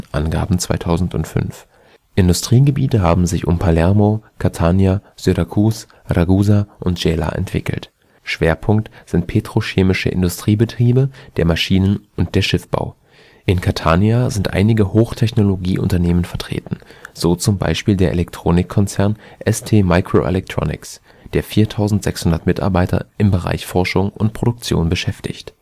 Angaben 2005) Industriegebiete haben sich um Palermo, Catania, Syrakus, Ragusa und Gela entwickelt. Schwerpunkt sind petrochemische Industriebetriebe, der Maschinen - und der Schiffbau. In Catania sind einige Hochtechnologieunternehmen vertreten, so zum Beispiel der Elektronikkonzern STMicroelectronics, der 4600 Mitarbeiter im Bereich Forschung und Produktion beschäftigt